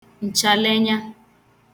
ǹchàleenya